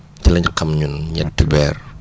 ci liñ xam ñun ñetti weer